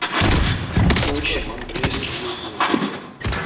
учим английский язык